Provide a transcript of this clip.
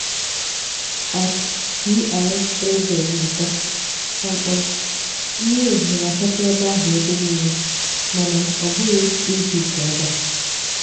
_@gr33ndata : Mmiri ozuzo na-asacha ebe ahụ ebe niile mana ọ bụghị n'Ijipt ebe a.